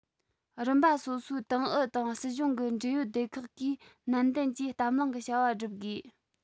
རིམ པ སོ སོའི ཏང ཨུ དང སྲིད གཞུང གི འབྲེལ ཡོད སྡེ ཁག གིས ནན ཏན གྱིས གཏམ གླེང གི བྱ བ བསྒྲུབ དགོས